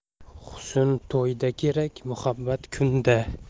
husn to'yda kerak muhabbat kunda